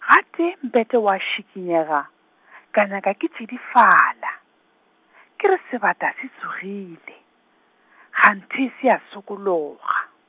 gatee Mpete wa tsikinyega, ka nyaka ke tšidifala, ke re sebata se tsogile, kganthe se a sokologa.